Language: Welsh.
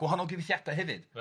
gwahanol gyfieithiadau hefyd. Reit.